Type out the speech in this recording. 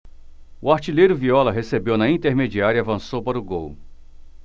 o artilheiro viola recebeu na intermediária e avançou para o gol